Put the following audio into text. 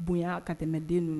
Bonya ka tɛmɛ den ninnu